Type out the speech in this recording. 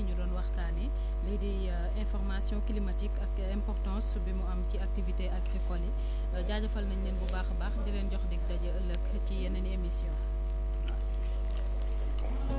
ñu doon waxtaanee lii di information climatique ak importance bi mu am ci activité agricoles yi jaajëfal nañ leen bu baax a baax di leen jox dig daje ëllëg ci yeneen i émissions merci